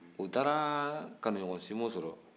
u taara kanuɲɔgɔn sinbo sɔrɔ